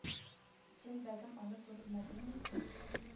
Син бәгем аны күрмәдеңме соң